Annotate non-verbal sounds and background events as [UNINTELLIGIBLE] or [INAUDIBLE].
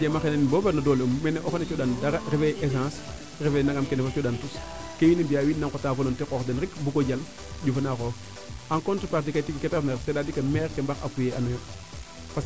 a jeema xena nin bono doole um mais o xene cooxan dara refee essence refe nangama fo kene coxaan tus ke wiin we mbiya wiin na ngota volonter qoox den rek a mbugo njal ƴufa na xoxof [UNINTELLIGIBLE] maire ke mbar appuyer ano yo